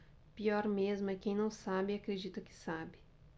pior mesmo é quem não sabe e acredita que sabe